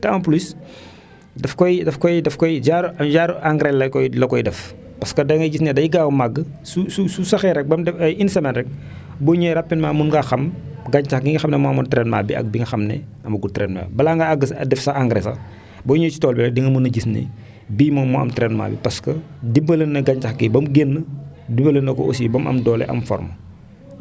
te en plus daf koy daf koy daf koy genre ru genre ru engrais la koy la koy def parce que da ngay gis ne day gaaw a màgg su su su saxee rek ba mu def ay une semaine rek boo ñëwee rapidement mun ngaa xam gàncax gi nga xam ne moo amoon traitement bi ak bi nga xam ne amagul traitement balaa ngaa àgg sa def sa engrais sax boo ñëwee si tool bi rek di nga mën a gis ni bii moom moo am traitement bi parce que dimbale na gàncax gi ba mu génn dimbale na ko aussi ba mu am doole am forme